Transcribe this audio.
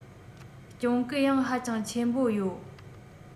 གྱོང གུན ཡང ཧ ཅང ཆེན པོ ཡོད